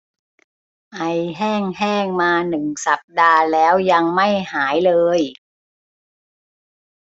ไอแห้งแห้งมาหนึ่งสัปดาห์แล้วยังไม่หายเลย